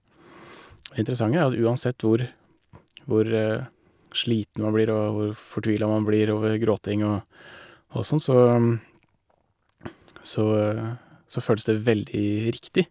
Det interessante er jo at uansett hvor hvor sliten man blir og hvor fortvila man blir over gråting og og sånn, så så så føles det veldig riktig.